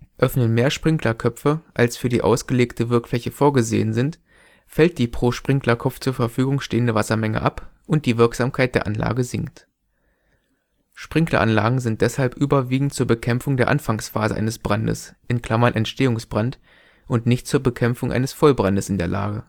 Öffnen mehr Sprinklerköpfe als für die ausgelegte Wirkfläche vorgesehen sind, fällt die pro Sprinklerkopf zur Verfügung stehende Wassermenge ab und die Wirksamkeit der Anlage sinkt. Außenanschlüsse zur Einspeisung von Löschwasser in die Trockensteigleitung und die Sprinkleranlage Sprinkleranlagen sind deshalb überwiegend zur Bekämpfung der Anfangsphase eines Brandes (Entstehungsbrand) und nicht zur Bekämpfung eines Vollbrandes in der Lage